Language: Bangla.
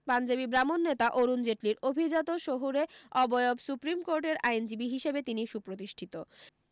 পাঞ্জাবি ব্রাহ্মণ নেতা অরুণ জেটলির অভিজাত শহুরে অবয়ব সুপ্রিম কোর্টের আইনজীবী হিসাবে তিনি সুপ্রতিষ্ঠিত